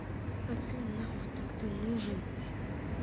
а ты нахуй тогда нужен